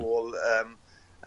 ...ôl yym